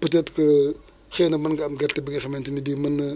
peut être xëy na mën ngaa am gerte bi nga xamante ni bi mën na